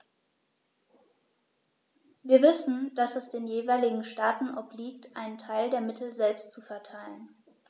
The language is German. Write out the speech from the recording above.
Wir wissen, dass es den jeweiligen Staaten obliegt, einen Teil der Mittel selbst zu verteilen.